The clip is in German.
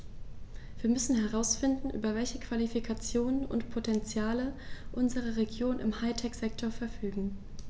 Wir müssen herausfinden, über welche Qualifikationen und Potentiale unsere Regionen im High-Tech-Sektor verfügen.